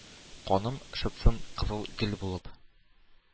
Каным шытсын кызыл гөл булып.